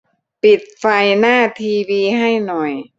ปิดไฟหน้าทีวีให้หน่อย